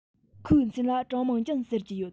ཁོའི མཚན ལ ཀྲང མིང ཅུན ཟེར གྱི ཡོད